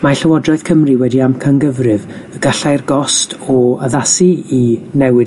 Mae Llywodraeth Cymru wedi amcangyfrif y gallai'r gost o addasu i newid